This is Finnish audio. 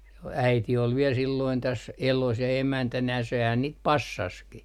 - äiti oli vielä silloin tässä elossa ja emäntänä sehän niitä passasikin